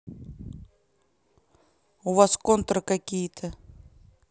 у вас контры какие то